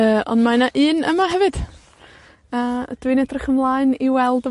Yy, ond mae 'na un yma hefyd. A, dwi'n edrych ymlaen i weld y